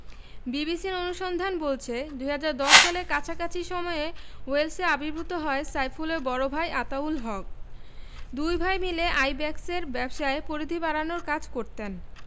বিবিসির অনুসন্ধান বলছে ২০১০ সালের কাছাকাছি সময়ে ওয়েলসে আবির্ভূত হয় সাইফুলের বড় ভাই আতাউল হক দুই ভাই মিলে আইব্যাকসের ব্যবসার পরিধি বাড়ানোর কাজ করতেন